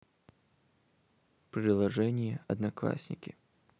приложение одноклассники